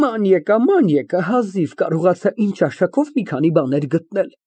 Ման եկա, ման եկա, հազիվ կարողացա իմ ճաշակով մի քանի բաներ գտնել։